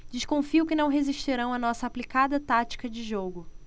desconfio que não resistirão à nossa aplicada tática de jogo